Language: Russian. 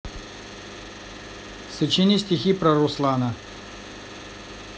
сочини стихи про руслана